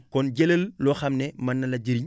kon jëlal loo xam ne mën na la jëriñ